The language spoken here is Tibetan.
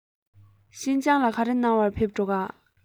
ཤིན ཅང ལ ག རེ གནང ག ཕེབས འགྲོ ག